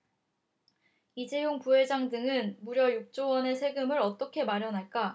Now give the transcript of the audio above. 이재용 부회장 등은 무려 육 조 원의 세금을 어떻게 마련할까